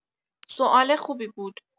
سوال خوبی بود